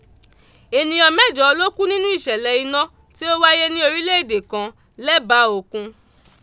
Ènìyàn mẹ́jọ ló kú nínú ìṣẹ̀lẹ̀ iná tí ó wáyé ní orílẹ̀ èdè kan lẹ́bàá òkun.